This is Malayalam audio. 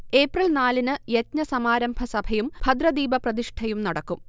ഏപ്രിൽ നാലിന് യജ്ഞസമാരംഭസഭയും ഭദ്രദീപ പ്രതിഷ്ഠയും നടക്കും